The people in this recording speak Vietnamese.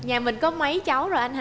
nhà mình có mấy cháu rồi anh ha